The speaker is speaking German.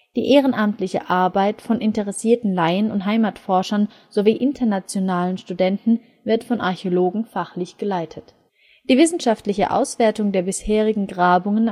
Die ehrenamtliche Arbeit von interessierten Laien und Heimatforschern sowie internationalen Studenten wird von Archäologen fachlich geleitet. Die wissenschaftliche Auswertung der bisherigen Grabungen